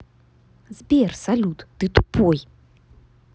сбер салют ты тупой